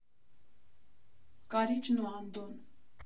Կարիճն ու Անդոն։